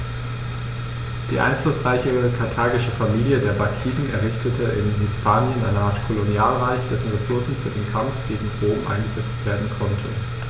Die einflussreiche karthagische Familie der Barkiden errichtete in Hispanien eine Art Kolonialreich, dessen Ressourcen für den Kampf gegen Rom eingesetzt werden konnten.